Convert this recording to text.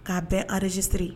K'a bɛɛ dzssirire